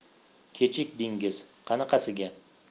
kechikdingiz qanaqasiga